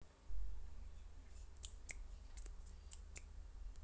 тогда отключайся